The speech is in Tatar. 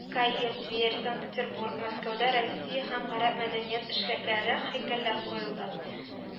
Каир, Тверь, Санкт-Петербург, Мәскәүдә Россия һәм Гарәп мәдәният эшлеклеләре һәйкәлләр куелды